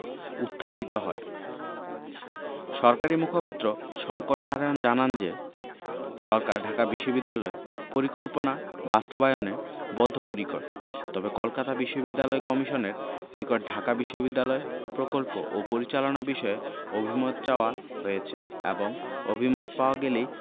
উত্থাপিত হয় সরকারি মুখপাত্র শঙ্কর নারায়ণ জানান যে সরকার ঢাকা বিশ্ববিদ্যালয় পরিকল্পনা বাস্তবায়নে বদ্ধপরিকর তবে কলকাতা বিশ্ববিদ্যালয় কমিশনের নিকট ঢাকা বিশ্ববিদ্যালয় প্রকল্প ও পরিচালনা বিষয়ে অভিমত চাওয়া হয়েছে এবং অভিমত পাওয়া গেলেই